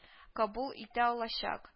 Кабул итә алачак